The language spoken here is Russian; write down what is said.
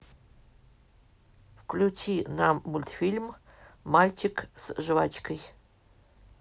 включи нам мультфильм мальчик с жвачкой